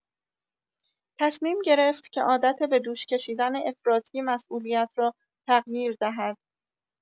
تصمیم گرفت که عادت به دوش کشیدن افراطی مسئولیت را تغییر دهد.